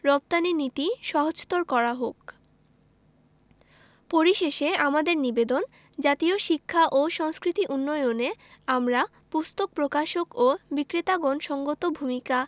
রপ্তানী নীতি সহজতর করা হোক পরিশেষে আমাদের নিবেদন জাতীয় শিক্ষা ও সংস্কৃতি উন্নয়নে আমরা পুস্তক প্রকাশক ও বিক্রেতাগণ সঙ্গত ভূমিকা